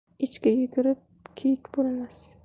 echki yugurib kiyik bo'lmas